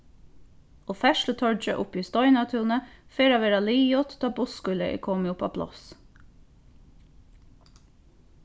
og ferðslutorgið uppi í steinatúni fer at verða liðugt tá bussskýlið er komið uppá pláss